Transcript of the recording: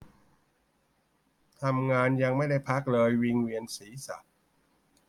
ทำงานยังไม่ได้พักเลยวิงเวียนศีรษะ